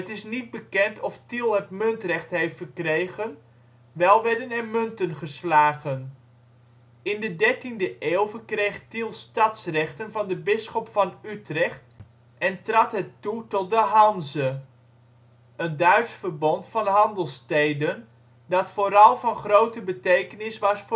is niet bekend of Tiel het muntrecht heeft verkregen, wel werden er munten geslagen. In de 13e eeuw verkreeg Tiel stadsrechten van de bisschop van Utrecht en trad het toe tot de Hanze, een Duits verbond van handelssteden, dat vooral van grote betekenis was